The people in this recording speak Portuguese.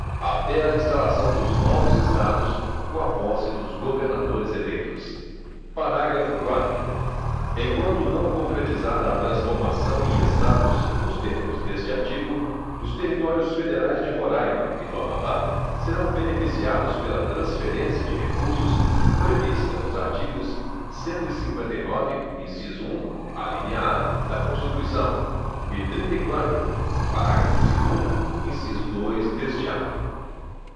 até a instalação dos novos estados com a posse dos governadores eleitos parágrafo quarto enquanto não concretizada a transformação em estados nos termos deste artigo os territórios federais de roraima e do amapá serão beneficiados pela transferência de recursos prevista nos artigos cento e cinquenta e nove inciso um alínea a da constituição e trinta e quatro parágrafo segundo inciso dois deste ato